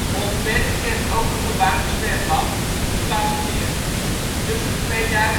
Onstwedde kent ook een verwarmd zwembad: ' t Vlasmeer. Tussen 2000 en 2003